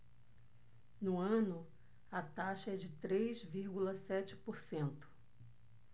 no ano a taxa é de três vírgula sete por cento